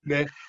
Ne'